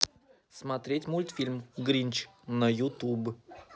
смотреть мультфильм гринч на ютуб